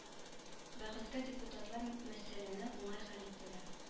Бәхеткә депутатлар мәсьәләне уңай хәл иттеләр